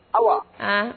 Ɔwɔ